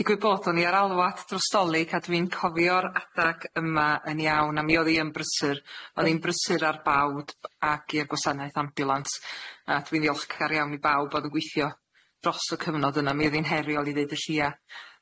Digwydd bod o'n i ar alwad dros Dolig a dwi'n cofio'r adag yma yn iawn a mi o'dd 'i yn brysur o'n i'n brysur ar bawb ac i'r gwasanaeth ambiwlans, a dwi'n ddiolchgar iawn i bawb o'dd yn gwithio dros y cyfnod yna mi o'dd 'i'n heriol i ddeud y llia.